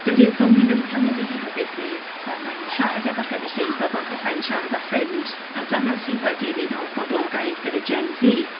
Dydy'r cwmni ddim yn cymryd ei hun o ddifrif, a mae'n siarad efo'r gynulleidfa fel petai'n siarad â ffrind. A dyma sydd wedi ei wneud mor boblogaidd gyda Gen Z.